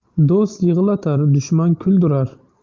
do'st yig'latar dushman kuldirar